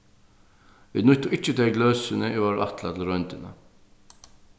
vit nýttu ikki tey gløsini ið vóru ætlað til royndina